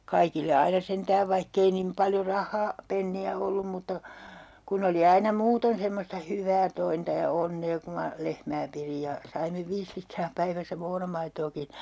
kaikille aina sentään vaikka ei niin paljon rahaa penniä ollut mutta kun oli aina muuten semmoista hyvää tointa ja onnea kun minä lehmää pidin ja saimme viisi litraa päivässä muonamaitoakin